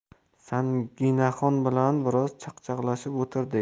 sanginaxon bilan biroz chaqchaqlashib o'tirdik